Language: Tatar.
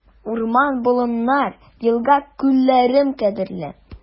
Урман-болыннар, елга-күлләрем кадерле.